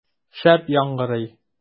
Шәп яңгырый!